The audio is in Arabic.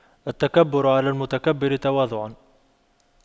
التكبر على المتكبر تواضع